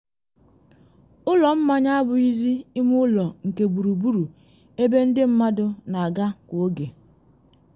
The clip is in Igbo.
“Ụlọ mmanya abụghịzị ime ụlọ nke gburugburu ebe ndị mmadụ na-aga kwa oge.”